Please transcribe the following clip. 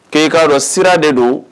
Keekaadɔ sira de don